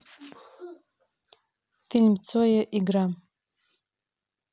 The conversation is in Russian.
фильм цоя игла